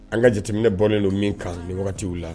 An ka jateminɛ bɔnen don min kan nin wagati u la